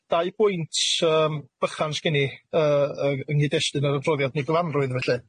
Dau bwynt yym bychan sgen i yy yng- yng nghyd-destun yr adroddiad yn ei gyfarwydd felly.